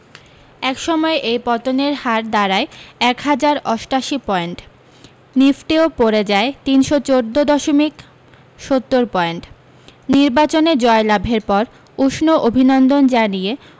একসময়ে এই পতনের হার দাঁড়ায় এক হাজার অষ্টাশি পয়েন্ট নিফটিও পড়ে যায় তিনশ চোদ্দ দশমিক সত্তর পয়েন্ট নির্বাচনে জয় লাভের পর উষ্ণ অভিনন্দন জানিয়ে